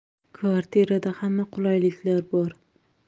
kvartirada hamma qulayliklar bor